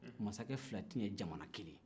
mansakɛ fila tɛ ɲɛ jamana kelen